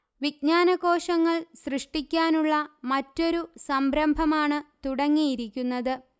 വിജ്ഞാനകോശങ്ങൾ സൃഷ്ടിക്കാനുള്ള മറ്റൊരു സംരംഭമാണ് തുടങ്ങിയിരിക്കുന്നത്